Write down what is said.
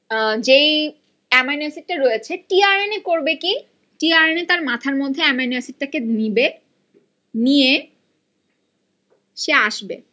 যেই amino acid টা রয়েছে টিআর এন এ করবে কি টি আর এন এ টা তার মাথার মধ্যে অ্যামাইনো এসিড টা কে নিবে নিয়ে সে আসবে